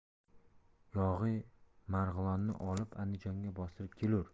yog'iy mar g'ilonni olib andijonga bostirib kelur